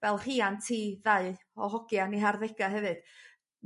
fel rhiant i ddau o hogia yn 'u harddega hefyd